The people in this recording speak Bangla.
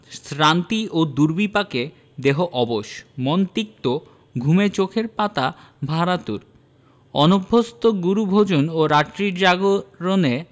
শ্রান্তি ও দুর্বিপাকে দেহ অবশ মন তিক্ত ঘুমে চোখের পাতা ভারাতুর অনভ্যস্ত গুরু ভোজন ও রাত্রি জাগরণে